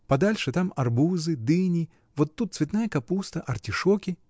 Подальше — там арбузы, дыни, вот тут цветная капуста, артишоки.